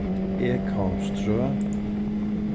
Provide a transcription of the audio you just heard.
egholmstrøð